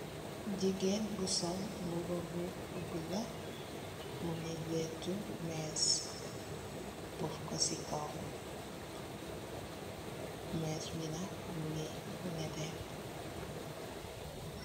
Jegain bu sol muba bu bula muge letou mess puff ku se kaw mess be nak muge neteh.